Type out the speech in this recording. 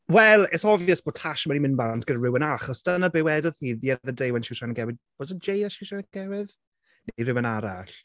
Wel, it's obvious bod Tash wedi mynd bant gyda rhywun ara-, achos dyna be dywedodd hi the other day, when she was trying to get with was it Jay that she was trying to get with? Neu rhywun arall?